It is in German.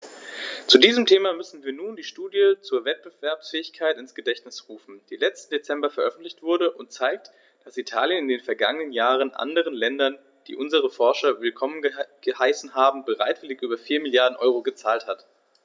Zu diesem Thema müssen wir uns nur die Studie zur Wettbewerbsfähigkeit ins Gedächtnis rufen, die letzten Dezember veröffentlicht wurde und zeigt, dass Italien in den vergangenen Jahren anderen Ländern, die unsere Forscher willkommen geheißen haben, bereitwillig über 4 Mrd. EUR gezahlt hat.